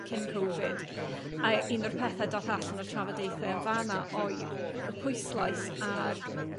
cyn Covid a un o'r pethe da'th allan o'r trafodaethe yn fan 'na oedd y pwyslais ar